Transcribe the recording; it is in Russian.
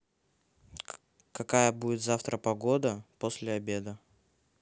какая будет завтра погода после обеда